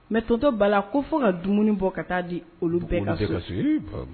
Mais tonton Bala ko fo ka dumuni bɔ ka taa di olu bɛɛ ka so ii baap